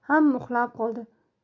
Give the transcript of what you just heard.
hamma uxlab qoldi